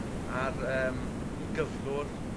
ar yym 'i gyflwr